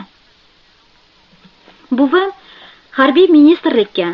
buvim harbiy ministrlikka